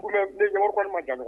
Nekɔrɔ kɔni ma jamu